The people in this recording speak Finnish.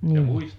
niin